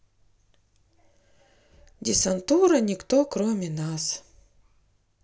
десантура никто кроме нас